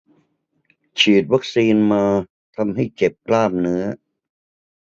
ฉีดวัคซีนมาทำให้เจ็บกล้ามเนื้อ